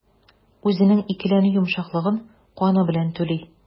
Үзенең икеләнү йомшаклыгын каны белән түли.